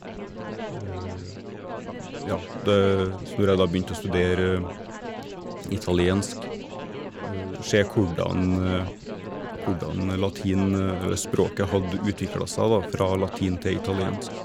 Ja, det så når jeg da begynte å studere italiensk, se hvordan hvordan latin eller språket hadde utvikla seg, da, fra latin til italiensk.